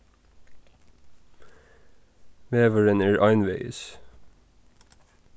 vegurin er einvegis